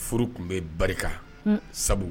Furu tun bɛ barika sabu